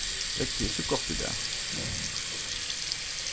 veðrið er so gott í dag